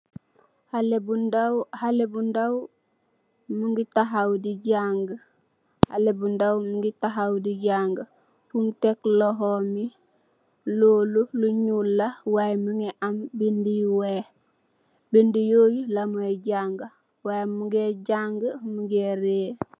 Halleh bu ndaw mungi tahaw di jangh, fim tek lohom mi, lolu lu nyul la waay mungi am bindh yu weeh, bindh yooye lamooy jangah, waay mungee jangh, mungee.